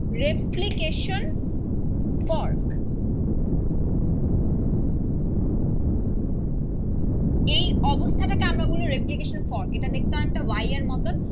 replication fork এই অবস্থাটাকে আমরা বলি রেপ্লিকেশন ফর্ক এটা দেখতে অনেকটা ওয়াই এর মতন